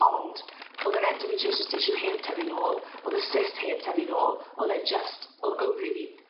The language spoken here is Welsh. ond o'dd yr endometriosis tissue heb tyfu nôl o'dd y cyst heb tyfu nôl o'dd e jyst o'dd ofari fi